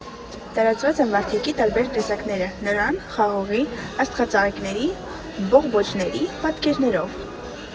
Տարածված են վարդյակի տարբեր տեսակները նռան, խաղողի, աստղածաղիկների, բողբոջների պատկերներով։